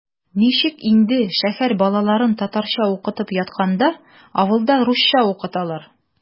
Ничек инде шәһәр балаларын татарча укытып ятканда авылда русча укыталар?!